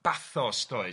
Bathos, does?